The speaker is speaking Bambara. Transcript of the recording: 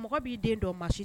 Mɔgɔ b'i den dɔn ma